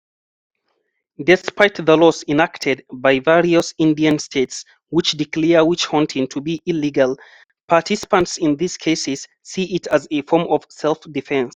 Despite the laws enacted by various Indian states which declare witch-hunting to be illegal, participants in these cases see it as a form of self-defense.